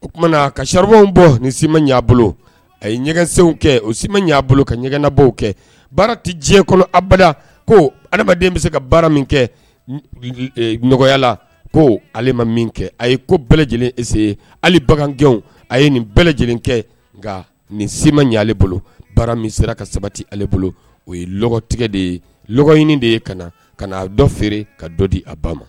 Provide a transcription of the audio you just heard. O tumaumana ka cabanw bɔ nin si ma y'a bolo a ye ɲɛgɛnsɛw kɛ o si ma y' a bolo ka ɲɛgɛnanabaw kɛ baara tɛ diɲɛ kɔnɔ aba ko adamaden bɛ se ka baara min kɛ nɔgɔyala ko ale ma min kɛ a ye ko bɛɛ lajɛlense ali baganke a ye nin bɛɛ lajɛlen kɛ nka nin si ma ɲɛ ale bolo baara min sera ka sabati ale bolo o ye tigɛ de ye ɲini de ye ka na ka naa dɔ feere ka dɔ di a ba ma